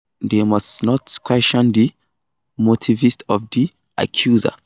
They must not question the motives of the accuser.